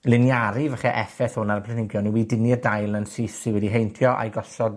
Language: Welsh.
liniaru falle effeth hwn ar blanhigion yw i dynnu'r dail yn syth sy wedi heintio a'u gosod